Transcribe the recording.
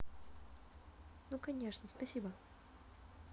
ну конечно спасибо